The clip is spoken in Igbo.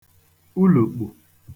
ulùkpù